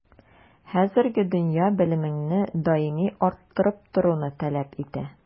Хәзерге дөнья белемеңне даими арттырып торуны таләп итә.